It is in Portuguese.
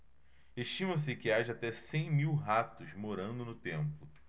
estima-se que haja até cem mil ratos morando no templo